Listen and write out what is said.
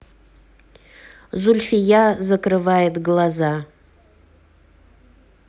зульфия закрывает глаза